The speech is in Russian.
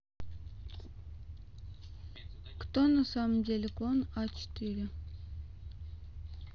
кто на самом деле клон а четыре